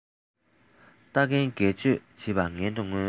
རྟ རྒན སྒལ བཅོས བྱེད པ ངན ལ མངོན